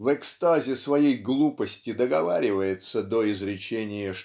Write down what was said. в экстазе своей глупости договаривается до изречения